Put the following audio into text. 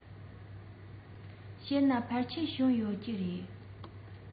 བྱས ན ཕལ ཆེར བྱུང ཡོད ཀྱི རེད